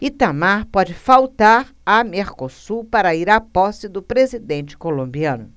itamar pode faltar a mercosul para ir à posse do presidente colombiano